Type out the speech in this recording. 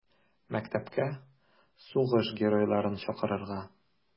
Мәктәпкә сугыш геройларын чакырырга.